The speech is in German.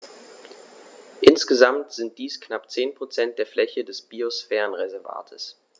Insgesamt sind dies knapp 10 % der Fläche des Biosphärenreservates.